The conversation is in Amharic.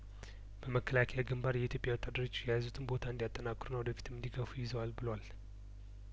በመከላከያ ግንባር የኢትዮጵያ ወታደሮች የያዙትን ቦታ እንዲያጠናክሩና ወደፊትም እንዳይገፋ ይዘዋል ብሏል